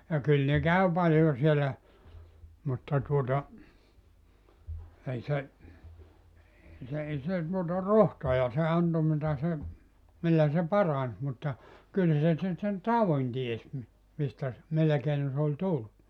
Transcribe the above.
ja kyllä ne kävi paljon siellä mutta tuota ei se ei se ei se tuota rohtoja se antoi mitä se millä se paransi mutta kyllä se se sen taudin tiesi - mistä - millä keinoin se oli tullut